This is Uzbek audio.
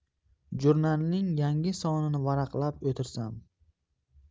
jurnalning yangi sonini varaqlab o'tirsam